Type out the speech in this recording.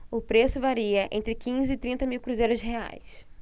o preço varia entre quinze e trinta mil cruzeiros reais